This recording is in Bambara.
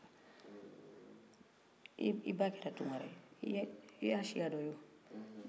i ba kɛra tunkara ye i y'a siya dɔ ye wo parce que i ye tunkara muso sin min